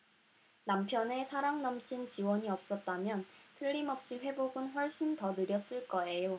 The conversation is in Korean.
남편의 사랑 넘친 지원이 없었다면 틀림없이 회복은 훨씬 더 느렸을 거예요